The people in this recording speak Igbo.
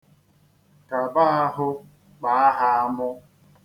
Kaba ahụ kpaa ha amụ.